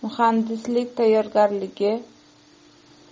muhandislik tayyorgarligi